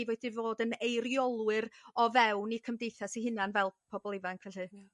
i fedru fod yn eiriolwyr o fewn i cymdeithas i hunain fel pobol ifanc felly.